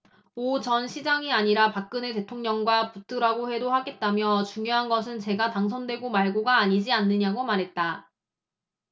오 전 시장이 아니라 박근혜 대통령과 붙으라고 해도 하겠다며 중요한 것은 제가 당선되고 말고가 아니지 않느냐고 말했다